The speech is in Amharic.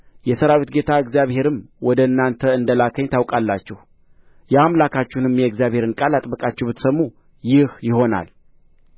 የሠራዊት ጌታ እግዚአብሔርም ወደ እናንተ እንደ ላከኝ ታውቃላችሁ የአምላካችሁንም የእግዚአብሔርን ቃል አጥብቃችሁ ብትሰሙ ይህ ይሆናል